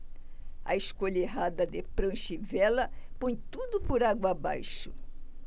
a escolha errada de prancha e vela põe tudo por água abaixo